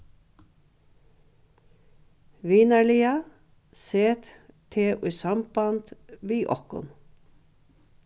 vinarliga set teg í samband við okkum